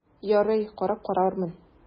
Ярый, карап карармын...